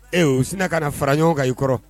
Ee u sina ka fara ɲɔgɔn ka i kɔrɔ